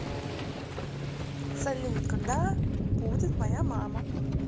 салют когда будет моя мама